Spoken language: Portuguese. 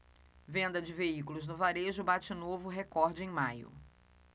venda de veículos no varejo bate novo recorde em maio